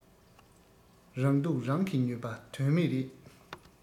རང སྡུག རང གིས ཉོས པ དོན མེད རེད